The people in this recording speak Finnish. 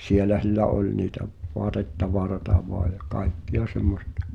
siellä sillä oli niitä - vaatetavaraa vain ja kaikkea semmoista